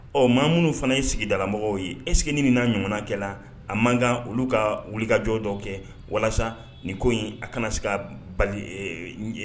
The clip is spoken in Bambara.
Ɔ maa minnu fana ye sigidamɔgɔ ye esgini ni'a ɲɔgɔn kɛ la a man kan olu ka wuli kajɔ dɔ kɛ walasa nin ko in a kana se ka bali